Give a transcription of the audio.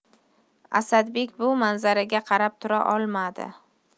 asadbek bu manzaraga qarab tura olmadi